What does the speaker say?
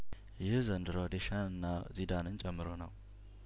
ይህ ዘንድሮ ዴሻንና ዚዳንን ጨምሮ ነው